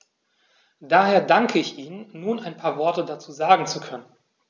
Daher danke ich Ihnen, nun ein paar Worte dazu sagen zu können.